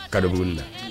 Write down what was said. Kalo bina